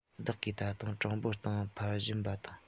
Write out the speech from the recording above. བདག གིས ད དུང གྲངས འབོར སྟེང འཕར བཞིན པ དང